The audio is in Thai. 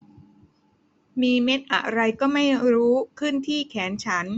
มีเม็ดอะไรก็ไม่รู้ขึ้นที่แขนฉัน